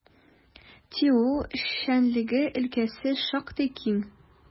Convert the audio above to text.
ТИҮ эшчәнлеге өлкәсе шактый киң.